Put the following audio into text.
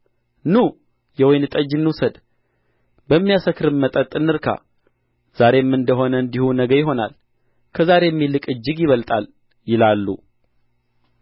ኑ የወይን ጠጅ እንውሰድ በሚያሰክርም መጠጥ እንርካ ዛሬም እንደ ሆነ እንዲሁ ነገ ይሆናል ከዛሬም ይልቅ እጅግ ይበልጣል ይላሉ